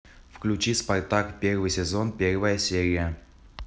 включи спартак первый сезон первая серия